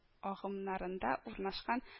Агымнарында урнашкан